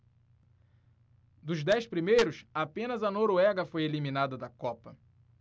dos dez primeiros apenas a noruega foi eliminada da copa